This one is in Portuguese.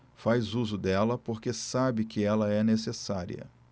faz uso dela porque sabe que ela é necessária